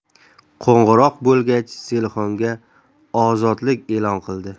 qo'ng'iroq bo'lgach zelixonga ozodlik e'lon qilindi